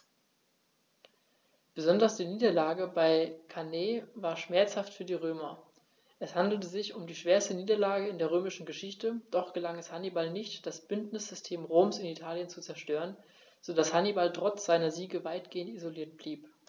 Besonders die Niederlage bei Cannae war schmerzhaft für die Römer: Es handelte sich um die schwerste Niederlage in der römischen Geschichte, doch gelang es Hannibal nicht, das Bündnissystem Roms in Italien zu zerstören, sodass Hannibal trotz seiner Siege weitgehend isoliert blieb.